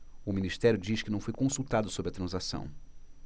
o ministério diz que não foi consultado sobre a transação